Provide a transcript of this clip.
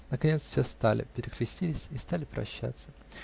Наконец все встали, перекрестились и стали прощаться.